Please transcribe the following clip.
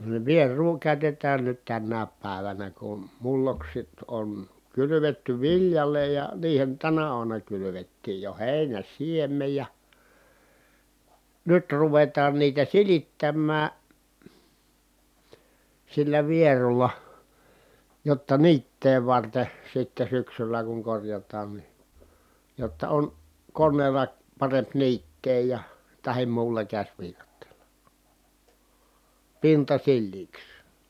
niin vierua käytetään nyt tänäkin päivänä kun mullokset on kylvetty viljalle ja niihin tänä aamuna kylvettiin jo heinän siemen ja nyt ruvetaan niitä silittämään sillä vierulla jotta niittää varten sitten syksyllä kun korjataan niin jotta on koneella parempi niittää ja tai muulla käsiviikatteella pinta sileäksi